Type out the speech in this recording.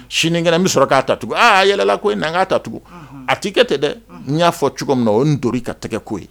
Sinikɛ n bɛ sɔrɔ k'a ta tugu tugun aa yɛlɛla ko na n k'a ta tugun a t' ii kɛ tɛ dɛ n'i y'a fɔ cogo min na o ye nto i ka tɛgɛko ye